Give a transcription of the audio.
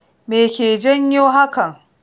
Me ke janyo hakan?